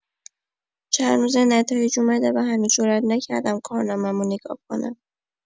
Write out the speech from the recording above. چند روزه نتایج اومده و هنوز جرئت نکردم کارنامه‌مو نگاه کنم.